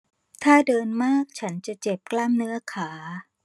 ถ้าเดินมากฉันจะเจ็บกล้ามเนื้อขา